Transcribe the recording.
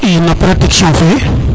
i no protection fe